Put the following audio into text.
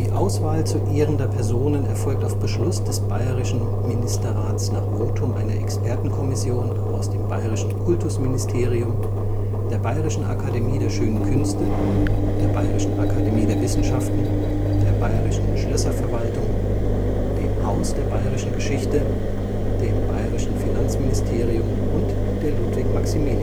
Auswahl zu ehrender Personen erfolgt auf Beschluss des Bayerischen Ministerrats nach Votum einer Expertenkommission aus dem Bayerischen Kultusministerium, der Bayerischen Akademie der Schönen Künste, der Bayerischen Akademie der Wissenschaften, der Bayerischen Schlösserverwaltung, dem Haus der Bayerischen Geschichte, dem Bayerischen Finanzministerium und der LMU. Die